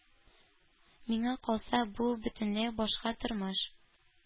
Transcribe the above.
Миңа калса, бу – бөтенләй башка тормыш.